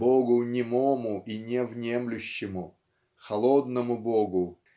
богу немому и не внемлющему холодному богу